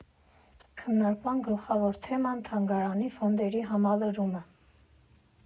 Քննարկման գլխավոր թեման՝ թանգարանի ֆոնդերի համալրումը։